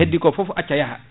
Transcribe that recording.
ko heddi ko foof acca yaaha